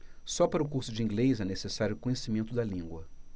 só para o curso de inglês é necessário conhecimento da língua